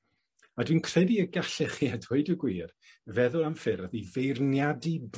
A dwi'n credu y gallech chi a dweud y gwir feddwl am ffyrdd i feirniadu